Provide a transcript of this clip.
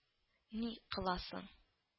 Ни кыласың